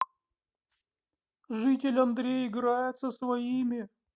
житель андрей играет со своими